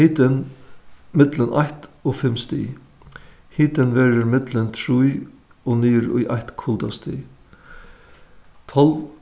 hitin millum eitt og fimm stig hitin verður millum trý og niður í eitt kuldastig tólv